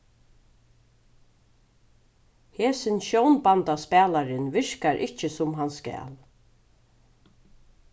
hesin sjónbandaspælarin virkar ikki sum hann skal